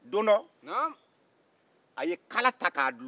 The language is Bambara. don dɔ a ye kala ta k'a dulon